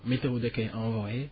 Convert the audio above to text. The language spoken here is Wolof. météo da koy envoyé